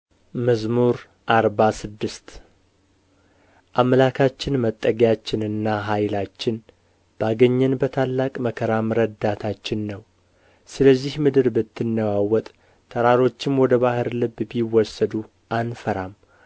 መዝሙር አርባ ስድስት አምላካችን መጠጊያችንና ኃይላችን ባገኘን በታላቅ መከራም ረዳታችን ነው ስለዚህ ምድር ብትነዋወጥ ተራሮችም ወደ ባሕር ልብ ቢወሰዱ አንፈራም